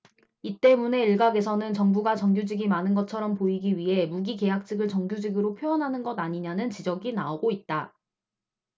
이 때문에 일각에서는 정부가 정규직이 많은 것처럼 보이기 위해 무기계약직을 정규직으로 표현하는 것 아니냐는 지적이 나오고 있다